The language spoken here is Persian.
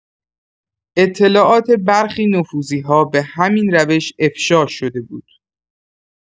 اطلاعات برخی نفوذی‌ها به همین روش افشا شده بود.